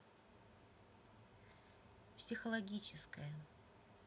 психологическое